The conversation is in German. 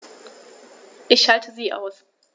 Ich schalte sie aus.